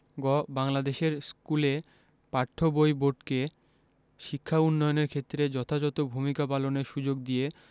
গ বাংলাদেশের স্কুলে পাঠ্য বই বোর্ডকে শিক্ষা উন্নয়নের ক্ষেত্রে যথাযথ ভূমিকা পালনের সুযোগ দিয়ে